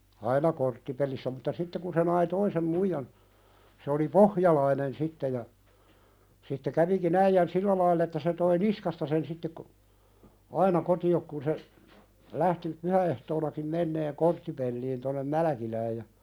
aina korttipelissä mutta sitten kun se nai toisen muijan se oli pohjalainen sitten ja sitten kävikin äijän sillä lailla että se toi niskasta sen sitten - aina kotiin kun se lähti pyhäehtoonakin menemään korttipeliin tuonne Mälkilään ja